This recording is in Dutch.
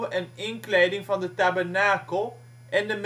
en inkleding van de tabernakel en de